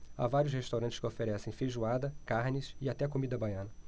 há vários restaurantes que oferecem feijoada carnes e até comida baiana